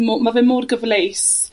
...mo- ma' fe mor gyfleus